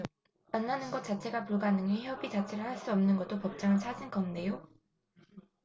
만나는 것 자체가 불가능해 협의 자체를 할 수 없는 것도 법정을 찾는 건데요